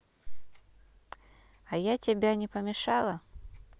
а я тебя не помешала